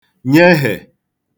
nyehè